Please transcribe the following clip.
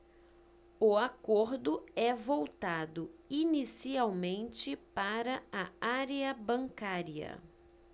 o acordo é voltado inicialmente para a área bancária